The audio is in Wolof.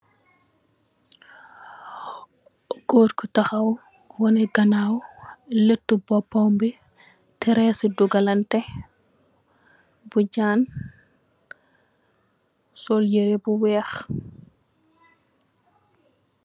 Goro gu tahaw woneh ganow letu bupambi teresi dugalanteh bu jan sol yereh bu weex.